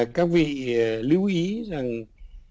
các vị lưu ý rằng